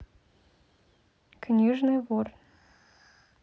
книжный вор